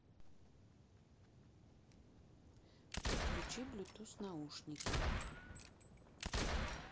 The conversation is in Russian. подключи блютуз наушники